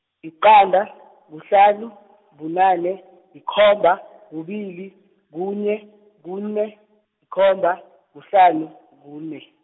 yiqanda, kuhlanu, bunane, yikomba, kubili, kunye, kune, yikomba, kuhlanu, kune.